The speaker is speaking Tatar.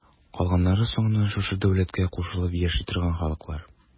Калганнары соңыннан шушы дәүләткә кушылып яши торган халыклар.